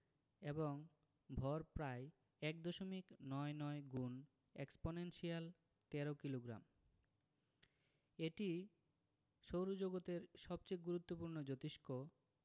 এবং ভর প্রায় এক দশমিক নয় নয় গুণ এক্সপনেনশিয়াল ১৩ কিলোগ্রাম এটি সৌরজগতের সবচেয়ে গুরুত্বপূর্ণ জোতিষ্ক